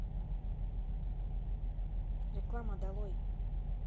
реклама долой